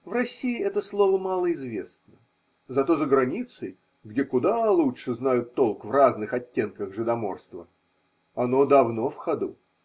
В России это слово мало известно, зато за границей, где куда лучше знают толк в разных оттенках жидоморства, оно давно в ходу.